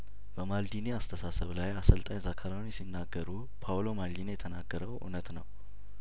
በማልዲኒ አስተሳሰብ ላይ አሰልጣኝ ዛካሮኒ ሲናገሩ ፓውሎ ማልዲኒ የተናገረው እውነት ነው